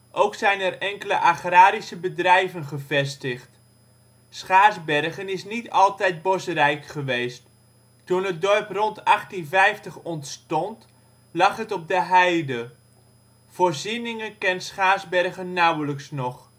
Ook zijn er enkele agrarische bedrijven gevestigd. Schaarsbergen is niet altijd bosrijk geweest; toen het dorp rond 1850 ontstond lag het op de heide. Voorzieningen kent Schaarsbergen nauwelijks nog